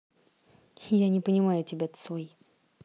я не понимаю тебя цой